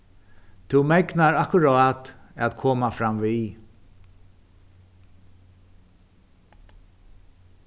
tú megnar akkurát at koma framvið